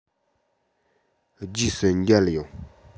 རྗེས སུ མཇལ ཡོང